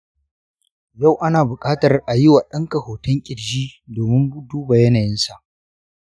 yau ana bukatar a yi wa ɗanka hoton kirji domin duba yanayinsa.